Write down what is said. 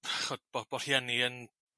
da' ch'od bo' bo' rhieni yn